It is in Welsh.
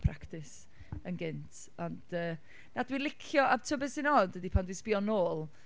practis yn gynt, ond yy. Na dwi'n licio a tibod beth sy'n od ydy pan dwi'n sbio nôl...